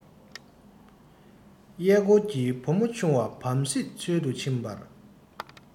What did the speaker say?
གཡས བསྐོར གྱིས བུ མོ ཆུང བ བམ སྲིད འཚོལ དུ ཕྱིན པར